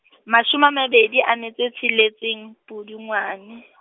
mashome a mabedi a metso e tsheletseng, Pudungwane.